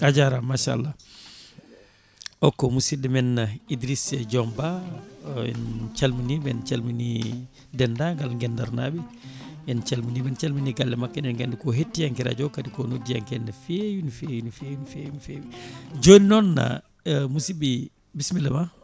a jarama machallah o ko musidɗomen Idrissa Diomba en calminimo en calmini dendagal Guendare naaɓe en calminiɓe en calmini galle makko eɗen gandi ko hettiyanke radio o kadi ko nodiiyankoe hen no fewi no fewi no fewi no fewi no fewijoni noon musibɓe bisimilla ma